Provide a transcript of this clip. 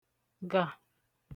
gà